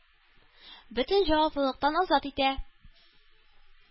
Бөтен җаваплылыктан азат итә.